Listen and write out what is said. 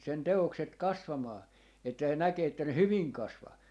sen teokset kasvamaan että se näkee että ne hyvin kasvaa